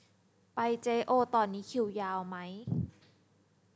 ไปเจ๊โอวตอนนี้คิวยาวมั้ย